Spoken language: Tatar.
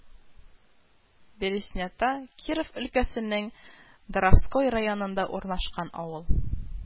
Береснята Киров өлкәсенең Даровской районында урнашкан авыл